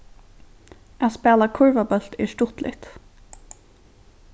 at spæla kurvabólt er stuttligt